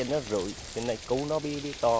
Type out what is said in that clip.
đó rụi củ nó mới to